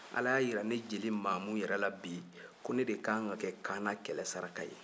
ala y'a jira ne jeli mamu yɛrɛ la bi ko ne de ka ɲi ka kɛ kaana kɛlɛ saraka ye